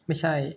ไม่ใช่